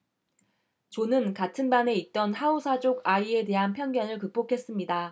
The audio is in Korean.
존은 같은 반에 있던 하우사족 아이에 대한 편견을 극복했습니다